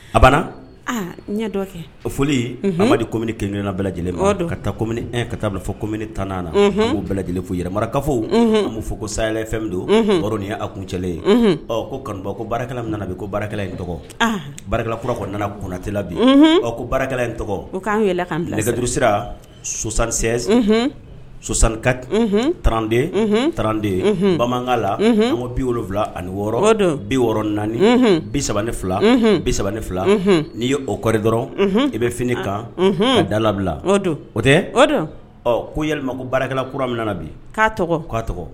A banna n dɔ kɛ o foli ye mamadi kom kɛ ɲɔgɔnna bala lajɛlen ka taa ko ka taa kom tanana bala lajɛlen fomakafow n b' fɔ ko sa saya fɛn don baroin ye a kun cɛlalen ye ɔ ko kanubɔ ko baarakɛla in min nana bi ko baarakɛla in tɔgɔ barakɛla kura kɔnɔ nana gnatɛla bi ɔ ko baarakɛla in tɔgɔ ko k'anliuru sira sɔsansen sɔsankati tranden tranden bamanan la mɔgɔ bi wolowula ani wɔɔrɔ biɔrɔn naani bisa ne fila bisa ne fila n'i ye oɔri dɔrɔn i bɛ fini kan a da labila o o tɛ ko ya ko baarakɛla kura min nana na bi k'a tɔgɔ k'a tɔgɔ